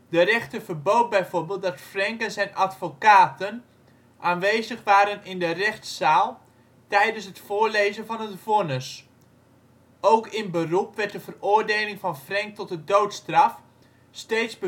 De rechter verbood bijvoorbeeld dat Frank en zijn advocaten aanwezig waren in de rechtszaal tijdens het voorlezen van het vonnis. Ook in beroep werd de veroordeling van Frank tot de doodstraf steeds bevestigd